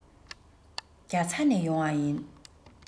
རྒྱ ཚ ནས ཡོང བ ཡིན